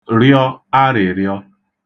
rịọ arị̀rịọ